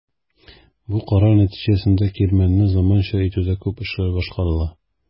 Бу карар нәтиҗәсендә кирмәнне заманча итүдә күп эшләр башкарыла.